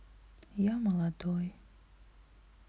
я молодой